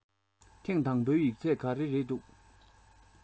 ཐེང དང པོའི ཡིག ཚད ག རེ རེད འདུག